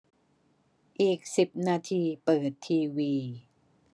อีกสิบนาทีเปิดทีวี